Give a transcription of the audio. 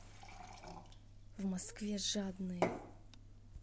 в москве жадные